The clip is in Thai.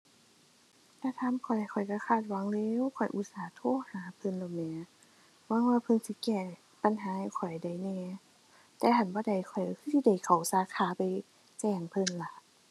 ถ้าถามข้อย ข้อยก็คาดหวังแหล้ว ข้อยอุตส่าห์โทรหาเพิ่นแล้วแหม หวังว่าเพิ่นสิแก้ปัญหาให้ข้อยได้แหน่ แต่ถ้าคันบ่ได้ข้อยก็คือสิได้เข้าสาขาไปแจ้งเพิ่นล่ะ